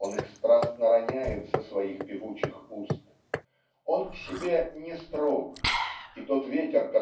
он их страстно роняет со своих певучих уст. Он к себе не строг и тот ветер